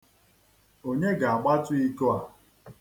Onye ga-agbatu iko a?